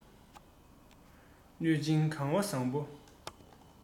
གནོད སྦྱིན གང བ བཟང པོ